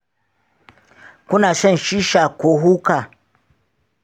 kuna shan shisha ko hookah?